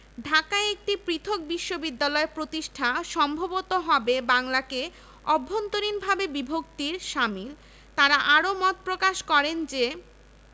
সরকারি শিক্ষা প্রতিষ্ঠানের ছাত্র ছাত্রীদের সংখ্যা ৬ লক্ষ ৯৯ হাজার ৫১ হতে ৯ লক্ষ ৩৬ হাজার ৬৫৩ তে উন্নীত হয়